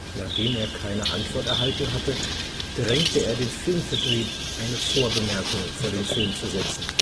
Nachdem er keine Antwort erhalten hatte, drängte er den Filmvertrieb, eine Vorbemerkung vor den Film zu setzen